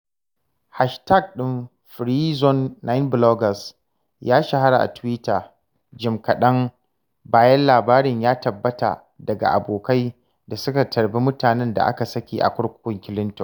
Hashtag ɗin #FreeZone9Bloggers ya shahara a Twitter jim kaɗan bayan labarin ya tabbata daga abokai da suka tarbi mutanen da aka saki a Kurkukun Kilinto.